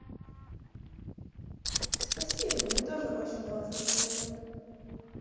спасибо вы тоже очень классный человек